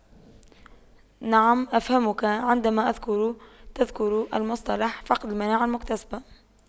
نعم أفهمك عندما أذكر تذكر المصطلح فقد المناعة المكتسبة